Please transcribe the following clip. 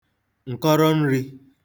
ǹkọrọnrī